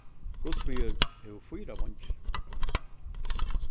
gullsmiður hevur fýra veingir